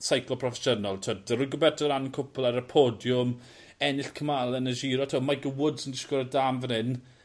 seiclo proffesiynol t'wod Rigoberto Uran cwpwl ar y podiwm ennill cymal yn y Giro t'wo *Micheal Woods yn disgwl ar dân fan 'yn